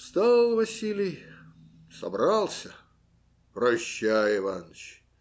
Встал Василий, собрался. - Прощай, Иваныч.